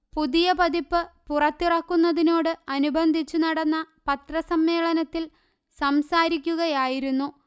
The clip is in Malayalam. പുതിയ പതിപ്പ് പുറത്തിറക്കുന്നതിനോട് അനുബന്ധിച്ചു നടന്ന പത്രസമ്മേളനത്തിൽ സംസാരിക്കുകയായിരുന്നു